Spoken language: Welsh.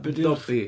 Be 'di'r... Nobby.